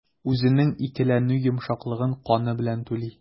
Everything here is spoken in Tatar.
Үзенең икеләнү йомшаклыгын каны белән түли.